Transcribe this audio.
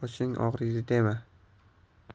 boshim og'ridi dema